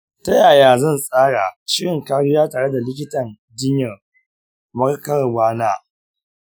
ta yaya zan tsara shirin kariya tare da likitan jinyar warkarwa na?